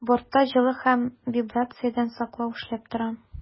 Бортта җылы һәм вибрациядән саклау эшләп тора.